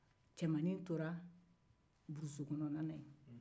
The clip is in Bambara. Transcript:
cɛmannin tola burusi kɔnɔna na yen